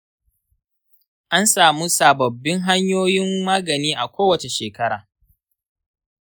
an samun sababbin hanyoyin magani a kowace shekara.